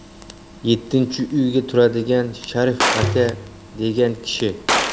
yettinchi uyda turadigan sharif aka degan kishi